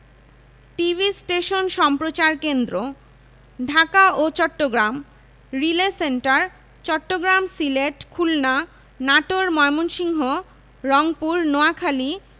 ঢাকায় বুড়িগঙ্গা নদীর উপর চীন বাংলাদেশ মৈত্রী সেতু ১ ঢাকায় বুড়িগঙ্গা নদীর উপর চীন বাংলাদেশ মৈত্রী সেতু ২